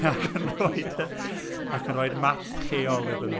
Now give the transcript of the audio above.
Ac ac yn rhoid y... ac yn rhoi'r map lleol iddyn nhw.